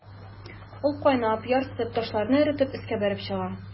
Ул кайнап, ярсып, ташларны эретеп өскә бәреп чыга.